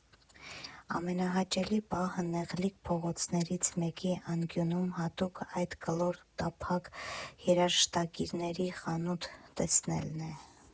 Ամենահաճելի պահը նեղլիկ փողոցներից մեկի անկյունում հատուկ այդ կլոր, տափակ երաժշտակիրների խանութ տեսնելն է։